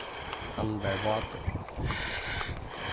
hann var vátur